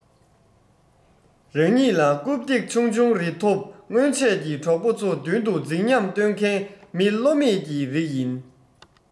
རང ཉིད ལ རྐུབ སྟེགས ཆུང ཆུང རེ ཐོབ སྔོན ཆད ཀྱི གྲོགས པོ ཚོ མདུན དུ རྫིག ཉམས སྟོན མཁན མི གློ མེད ཀྱི རིགས ཡིན